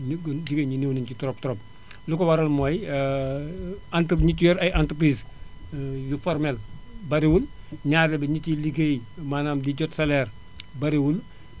*** jigñ ñi néew nañu si trop trop lu ko waral mooy entre ñi ci yor ay entreprises yu formelles bariwuñ ñaareel ba ñi ciy ligéey maanaam di jot salaire bariwuñ